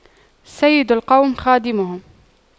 سيد القوم خادمهم